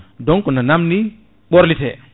donc no namdi ɓorlite